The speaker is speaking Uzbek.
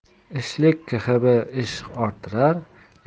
ishlik kehb ish orttirar